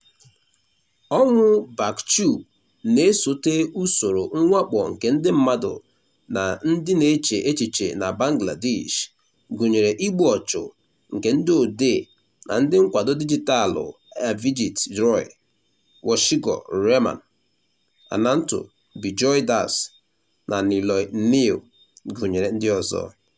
Ọnwụ Bachchu na-esote usoro mwakpo nke ndị mmadụ na ndị na-eche echiche na Bangladesh, gụnyere igbu ọchụ nke ndị odee na ndị nkwado dijitaalụ Avijit Roy, Washiqur Rahman, Ananto Bijoy Das na Niloy Neel, gụnyere ndị ọzọ.